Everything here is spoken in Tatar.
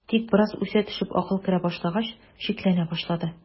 Тик бераз үсә төшеп акыл керә башлагач, шикләнә башлады.